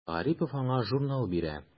Гарипов аңа журнал бирә.